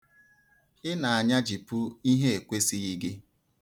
Ị na-anyajipụ ihe ekwesịghị gị.